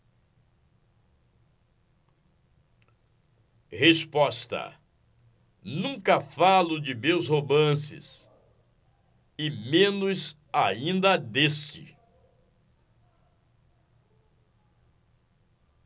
resposta nunca falo de meus romances e menos ainda deste